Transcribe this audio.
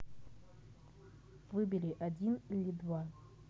выбери один или два